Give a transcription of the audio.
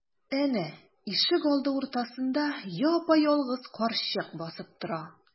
Әнә, ишегалды уртасында япа-ялгыз карчык басып тора.